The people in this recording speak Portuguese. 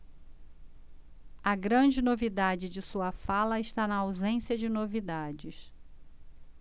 a grande novidade de sua fala está na ausência de novidades